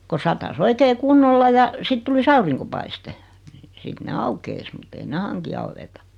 kun sataisi oikein kunnolla ja sitten tulisi auringonpaiste no sitten ne aukeaisi mutta ei ne hanki aueta